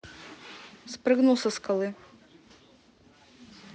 спрыгнул со скалы